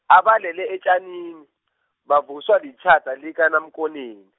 abalele etjanini, bavuswa litjhada likaNaMkoneni.